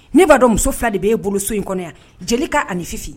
Ne b'a dɔn muso fila de bɛ'e boloso in kɔnɔ yan jeli' ani nififin